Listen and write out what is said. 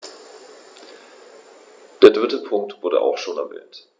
Der dritte Punkt wurde auch schon erwähnt.